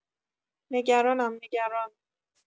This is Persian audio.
نگرانم… نگران..